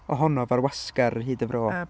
Ohonaf ar wasgar ar hyd y fro...